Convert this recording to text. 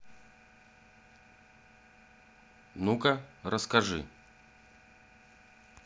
ну ка расскажи